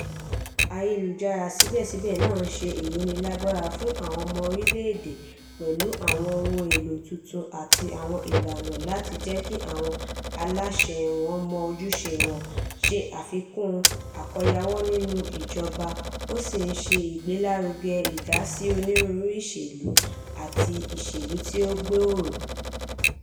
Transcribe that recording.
Ayélujára, síbẹ̀síbẹ̀, náà ń ṣe ìrónílágbára fún àwọn ọmọ orílẹ̀ èdè pẹ̀lú àwọn ohun èlò tuntun àti àwọn ìlànà láti jẹ́ kí àwọn aláṣẹ wọn mọ ojúṣe wọn, ṣe àfikún àkóyawọ́ nínú ìjọba, ó sì ń ṣe ìgbélárugẹ ìdásí onírúurú ìṣèlú àti ìṣèlú tí ó gbòòrò.